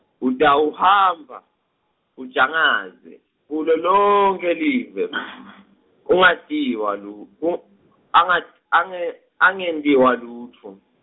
Utawuhamba, ajangaze, kulo lonkhe live , angatiwa lutfo, anga, ange- angentiwa lutfo.